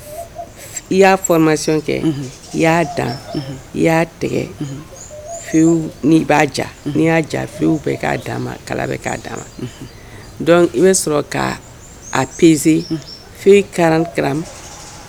I y'a fɔ ma kɛ i y'a dan i'aa'aw bɛ k'a'a ma kala bɛ k'a d' ma i sɔrɔ' a pez kirama